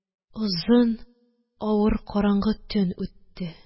Озын авыр караңгы төн үтте